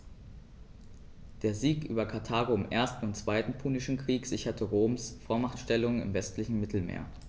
Der Sieg über Karthago im 1. und 2. Punischen Krieg sicherte Roms Vormachtstellung im westlichen Mittelmeer.